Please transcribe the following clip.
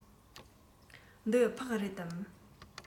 འདི ཕག རེད དམ